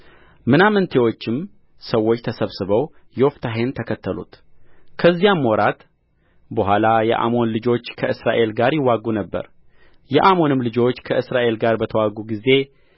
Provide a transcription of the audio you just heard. ምናምንቴዎችም ሰዎች ተሰብስበው ዮፍታሔን ተከተሉት ከዚያም ወራት በኋላ የአሞን ልጆች ከእስራኤል ጋር ይዋጉ ነበር የአሞንም ልጆች ከእስራኤል ጋር በተዋጉ ጊዜ